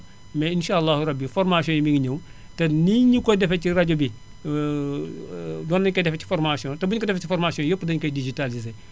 mais incha allahu rabi formation yi mi ngi ñëw te nii ñu ko defee ci rajo bi noonu lañu koy defee ci formation te buñu ko defee si formation yëpp dañu koy digitalisées